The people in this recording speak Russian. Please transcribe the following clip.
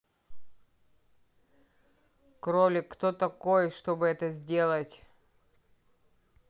кролик кто такой чтобы это сделать